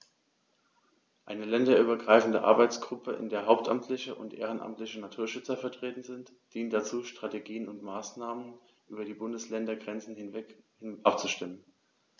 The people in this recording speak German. Eine länderübergreifende Arbeitsgruppe, in der hauptamtliche und ehrenamtliche Naturschützer vertreten sind, dient dazu, Strategien und Maßnahmen über die Bundesländergrenzen hinweg abzustimmen.